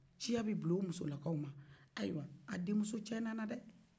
ci bɛ bila o musolakaw ayiwa a denmuso cɛ nana dɛ